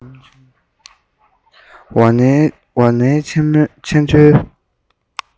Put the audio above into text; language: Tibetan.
ཝཱ ཎའི ཆེས མཐོའི